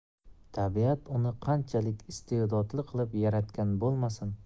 tabiat uni qanchalik iste'dodli qilib yaratgan bo'lmasin